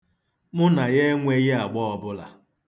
Mụ na ya enweghị agba ọbụla.